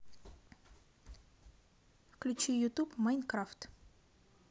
включи ютуб майнкрафт